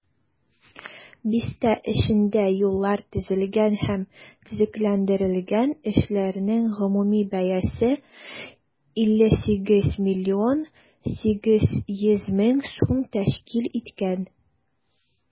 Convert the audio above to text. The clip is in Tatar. Бистә эчендә юллар төзелгән һәм төзекләндерелгән, эшләрнең гомуми бәясе 58,8 миллион сум тәшкил иткән.